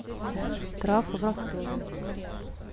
трав в ростове